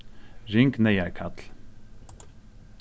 ring neyðarkall